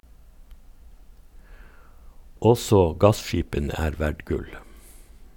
Også gasskipene er verd gull.